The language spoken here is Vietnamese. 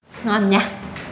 ngon nhà